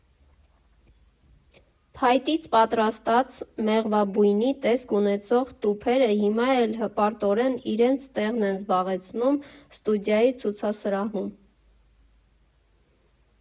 Փայտից պատրաստած՝ մեղվաբույնի տեսք ունեցող տուփերը հիմա էլ հպարտորեն իրենց տեղն են զբաղեցնում ստուդիայի ցուցասրահում։